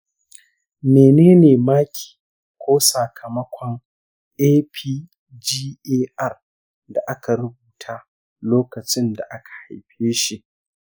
mene ne maki ko sakamakon apgar da aka rubuta lokacin da aka haife shi?